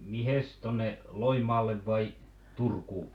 - mihinkäs tuonne Loimaalle vai Turkuun